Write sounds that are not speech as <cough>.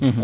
<hesitation> <hesitation>